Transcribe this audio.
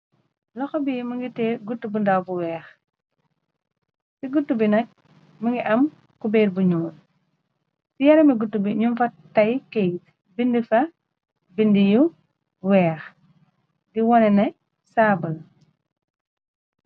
Loxo bi mëngi tiye gutu bu ndaw bu weex, ci gutu bi nak më ngi am kubeer bu ñuul, ci yarami gutu bi ñum fa tay keyit, binde fa bindi yu weex di wone ne saaba la.